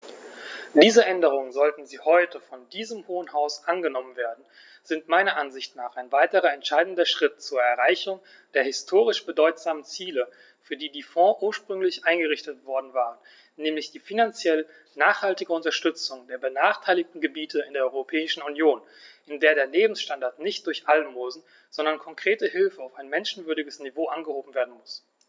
Diese Änderungen, sollten sie heute von diesem Hohen Haus angenommen werden, sind meiner Ansicht nach ein weiterer entscheidender Schritt zur Erreichung der historisch bedeutsamen Ziele, für die die Fonds ursprünglich eingerichtet worden waren, nämlich die finanziell nachhaltige Unterstützung der benachteiligten Gebiete in der Europäischen Union, in der der Lebensstandard nicht durch Almosen, sondern konkrete Hilfe auf ein menschenwürdiges Niveau angehoben werden muss.